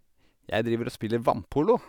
Jeg driver og spiller vannpolo.